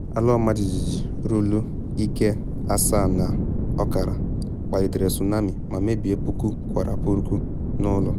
Ala ọmajiji ruru ike 7.5 kpalitere tsunami ma mebie puku kwụrụ puku n’ụlọ.